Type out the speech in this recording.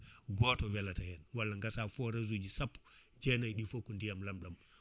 goto welata hen walla gassa forage uji sappo jenayyi ɗi foof ko ndiyam lamɗam